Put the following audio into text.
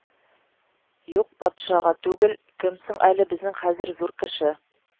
Юк, патшага түгел, кем соң әле безнең хәзер зур кеше